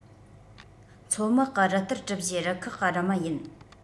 མཚོ དམག གི རུ སྟར གྲུ བཞིའི རུ ཁག གི རུ མི ཡིན